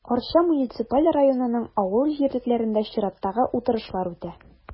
Арча муниципаль районының авыл җирлекләрендә чираттагы утырышлар үтә.